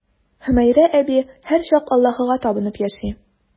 Хөмәйрә әби һәрчак Аллаһыга табынып яши.